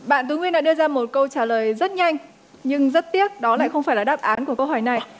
bạn tú nguyên đã đưa ra một câu trả lời rất nhanh nhưng rất tiếc đó lại không phải là đáp án của câu hỏi này